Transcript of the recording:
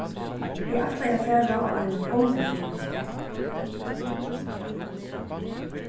eg ætlaði at fara á eina gonguferð við tær